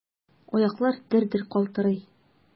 Аяклар дер-дер калтырый.